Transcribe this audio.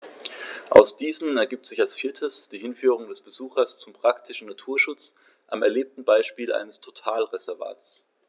Aus diesen ergibt sich als viertes die Hinführung des Besuchers zum praktischen Naturschutz am erlebten Beispiel eines Totalreservats.